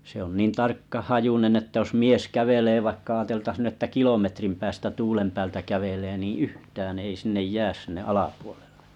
se on niin tarkkahajuinen että jos mies kävelee vaikka ajateltaisi nyt että kilometrin päästä tuulen päältä kävelee niin yhtään ei sinne jää sinne alapuolelle